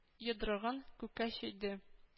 Йодрыгын күккә чөйде